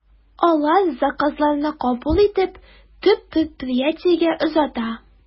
Алар заказларны кабул итеп, төп предприятиегә озата.